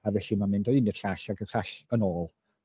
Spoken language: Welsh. A felly ma'n mynd o un i 'r llall ac y llall yn ôl.